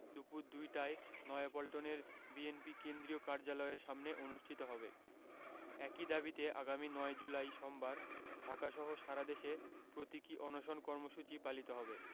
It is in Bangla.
দুপুর দুইটায় নয়াপল্টনের বিএনপি কেন্দ্রীয় কার্যালয়ের সামনে অনুষ্ঠিত হবে একই দাবিতে আগামী ৯ জুলাই সোমবার ঢাকাসহ সারাদেশে প্রতীকী অনশন কর্মসূচি পালিত হবে